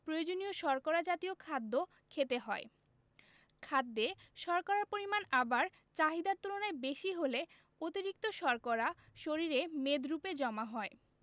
প্রয়োজনীয় শর্করা জাতীয় খাদ্য খেতে হয় খাদ্যে শর্করার পরিমাণ আবার চাহিদার তুলনায় বেশি হলে অতিরিক্ত শর্করা শরীরে মেদরুপে জমা হয়